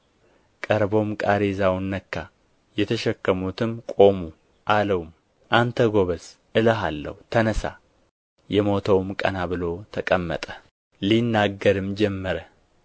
ቀርቦም ቃሬዛውን ነካ የተሸከሙትም ቆሙ አለውም አንተ ጐበዝ እልሃለሁ ተነሣ የሞተውም ቀና ብሎ ተቀመጠ ሊናገርም ጀመረ